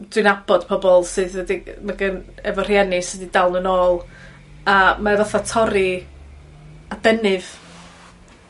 Dwi'n nabod pobol sydd yy dig- ma' gyn... Efo rhieni sy 'di dal yn ôl a mae fatha torri adenydd